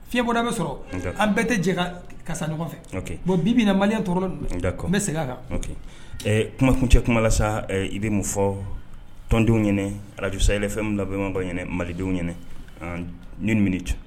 Fiɲɛyɛnbɔda bɛ sɔrɔ an bɛɛ tɛ jɛ ka kasa ɲɔgɔn fɛ bon bibi na maliyan tɔɔrɔ da kɔnɔ n bɛ segin kan kumakun cɛ kuma sa i bɛ mun fɔ tɔnondenw ɲɛna arajsayfɛn labɛnbaw ɲɛna malidenw ɲɛna niini c